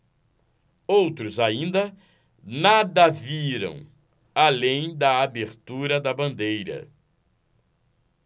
outros ainda nada viram além da abertura da bandeira